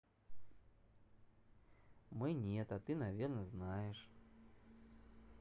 мы нет а ты наверное знаешь